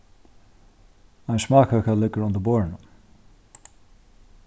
ein smákøka liggur undir borðinum